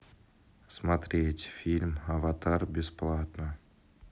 смотреть фильм аватар бесплатно